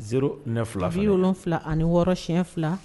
Zéro, neuf fila fila bi wolonwula ani wɔɔrɔ siyɛn fila